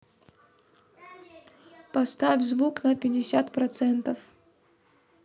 поставь звук на пятьдесят процентов